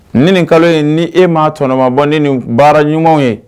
Nin nin kalo in ni e ma tɔnɔmabɔ ni nin baara ɲɔgɔn ye